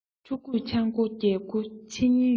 ཕྲུ གུས ཆག སྒོའི རྒྱལ སྒོ ཕྱེ ཉེན ཡོད